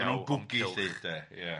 Oedden nhw'n gwgu 'lly de, ia.